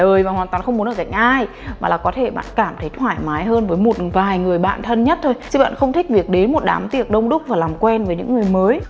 và hoàn toàn không muốn được ở cạnh ai mà là có thể bạn thấy thoải mái hơn với một vài người bạn thân nhất thôi chứ bạn không thích việc đến một đám tiệc đông đúc và làm quen với những người mới